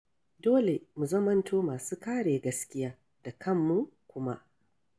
Dole mu zamanto masu kare gaskiya da kanmu kuma.